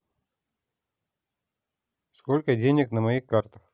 сколько денег на моих картах